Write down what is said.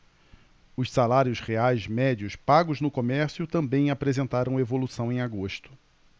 os salários reais médios pagos no comércio também apresentaram evolução em agosto